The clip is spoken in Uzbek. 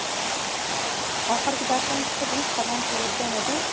oxirgi darsdan chiqib yuz qadamcha yurgan edim